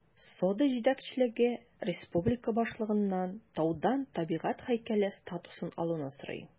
Сода җитәкчелеге республика башлыгыннан таудан табигать һәйкәле статусын алуны сорый.